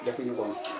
defuñu ko woon